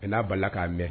N'a bala la k'an mɛn